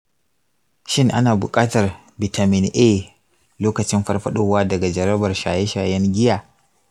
shin ana buƙatar bitamin a lokacin farfadowa daga jarabar shaye-shayen giya?